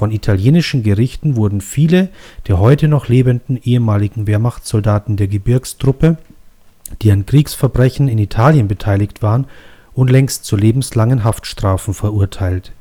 italienischen Gerichten wurden viele der heute noch lebenden ehemaligen Wehrmachtssoldaten der Gebirgstruppe, die an Kriegsverbrechen in Italien beteiligt waren, unlängst zu lebenslangen Haftstrafen verurteilt